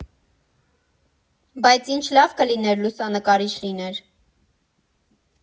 Բայց ինչ լավ կլիներ լուսանկարիչ լինեի։